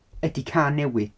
Ydiy cael newid.